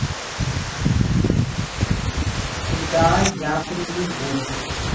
куда я прибегу